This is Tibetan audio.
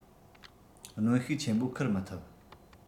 གནོན ཤུགས ཆེན པོ འཁུར མི ཐུབ